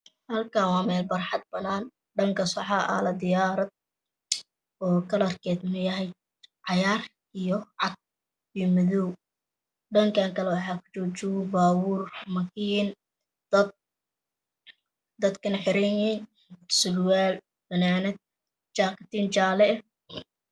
Halkanwabarxadbanaan dhakas waxa yala dayaarad okalarked yahay cagar iyocad iyomadow dhankale waxakajojoga dad iyobabuur makiin dad dakanaxiranyihii sirwaal fananad jakatin jale ah